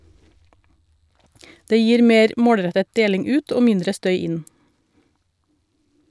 Det gir mer målrettet deling ut, og mindre støy inn.